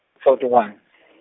fourty one .